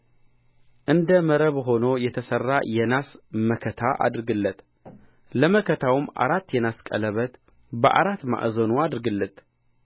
እንደ መረብ ሆኖ የተሠራ የናስ መከታ አድርግለት ለመከታውም አራት የናስ ቀለበት በአራት ማዕዘኑ አድርግለት